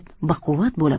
baquvvat bo'lib